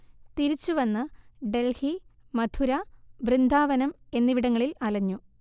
തിരിച്ചുവന്ന് ഡൽഹി, മഥുര, വൃന്ദാവനം എന്നിവിടങ്ങളിൽ അലഞ്ഞു